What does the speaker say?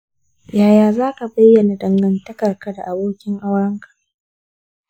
yaya za ka bayyana dangantakarka da abokin aurenka?